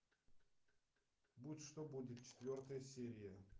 будь что будет четвертая серия